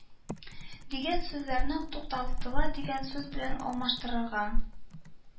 Дигән сүзләрне “туктатыла” дигән сүз белән алмаштырырга;